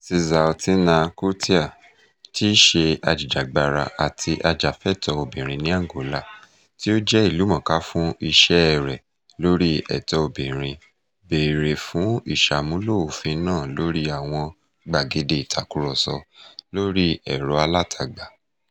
Sizaltina Cutaia, tí í ṣe ajìjàgbara àti ajàfẹ́tọ̀ọ́ obìnrin ní Angola; tí ó jẹ́ ìlúmọ̀ọ́ká fún iṣẹ́ẹ rẹ̀ lórí ẹ̀tọ́ obìnrin béèrè fún ìṣàmúlò òfin náà lórí àwọn gbàgede ìtàkùrọ̀sọ lórí ẹ̀rọ-alátagbà: